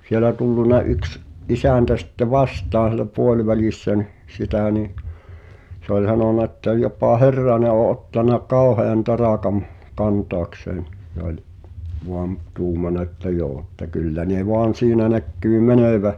siellä tullut yksi isäntä sitten vastaan siellä puolivälissä niin sitä niin se oli sanonut että jopa Herranen on ottanut kauhean taakan kantaakseen se oli vain tuumannut että joo että kyllä ne vain siinä näkyy menevän